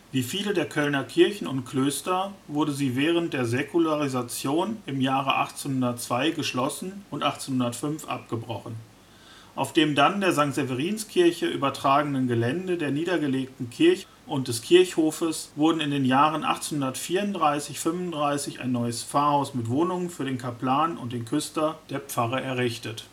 Wie viele der Kölner Kirchen und Klöster wurde sie während der Säkularisation im Jahr 1802 geschlossen und 1805 abgebrochen. Auf dem dann der St. Severinskirche übertragenen Gelände der niedergelegten Kirche und des Kirchhofes wurden in den Jahren 1834 / 35 ein neues Pfarrhaus mit Wohnungen für den Kaplan und den Küster der Pfarre errichtet